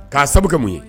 K'a sababu mun ye?